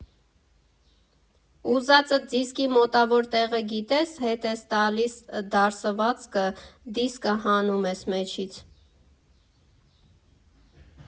Ուզածդ դիսկի մոտավոր տեղը գիտես՝ հետ ես տալիս դարսվածքը, դիսկը հանում ես մեջից։